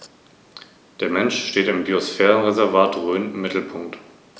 Neben den drei staatlichen Verwaltungsstellen des Biosphärenreservates gibt es für jedes Bundesland einen privaten Trägerverein.